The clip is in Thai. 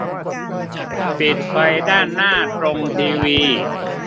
ปิดไฟด้านหน้าตรงทีวี